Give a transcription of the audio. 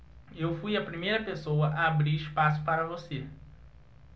eu fui a primeira pessoa a abrir espaço para você